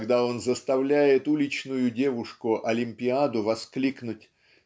когда он заставляет уличную девушку Олимпиаду воскликнуть